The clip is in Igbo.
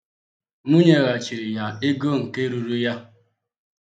Mụ nyeghachịrị ya ego nke ruru ya.